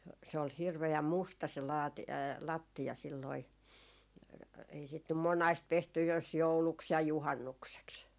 se oli hirveän musta se - lattia silloin ei sitä nyt monasti pesty jos jouluksi ja juhannukseksi